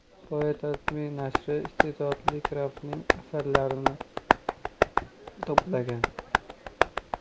boetadme nashri iste'dodli grafning asarlarini to'plagan